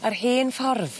Yr hen ffordd.